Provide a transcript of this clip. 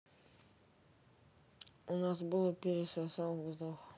у нас было пересосал вздох